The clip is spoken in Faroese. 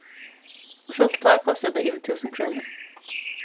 og sjálvt tá kostaði tað yvir túsund krónur